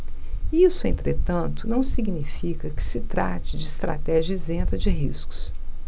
isso entretanto não significa que se trate de estratégia isenta de riscos